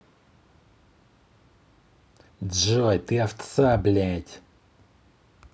джой ты овца блядь